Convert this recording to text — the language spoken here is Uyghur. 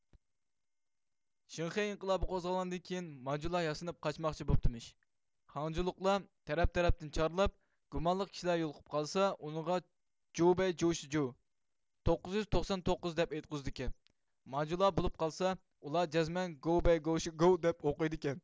شىنخەي ئىنقىلابى قوزغالغاندىن كېيىن مانجۇلار ياسىنىپ قاچماقچى بوپتىمىش خاڭجۇلۇقلار تەرەپ تەرەپتىن چارلاپ گۇمانلىق كىشىلەر يولۇقۇپ قالسا ئۇنىڭغا جۇبەي جۇشىجۇ توققۇز يۈز توقسان توققۇز دەپ ئېيتقۇزىدىكەن مانجۇلار بولۇپ قالسا ئۇلار جەزمەن گۇۋبەي گۇۋ شىگۇۋ دەپ ئوقۇيدىكەن